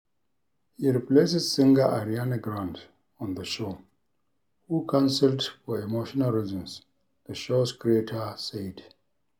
He replaces singer Ariana Grande on the show who cancelled for "emotional reasons," the show's creator said.